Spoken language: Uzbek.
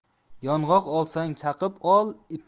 yong'oq olsang chaqib